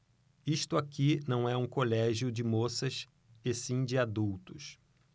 isto aqui não é um colégio de moças e sim de adultos